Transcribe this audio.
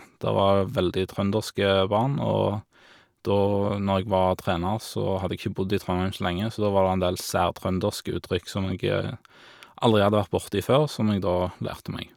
Der var veldig trønderske barn, og da, når jeg var trener, så hadde jeg ikke bodd i Trondheim så lenge, så da var der en der særtrønderske uttrykk som jeg aldri hadde vært borti før, som jeg da lærte meg.